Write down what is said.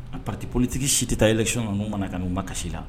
A patipolitigi si tɛ taa election n'u mana ka n'u ma kasisi la